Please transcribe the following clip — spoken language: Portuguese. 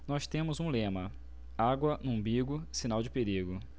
nós temos um lema água no umbigo sinal de perigo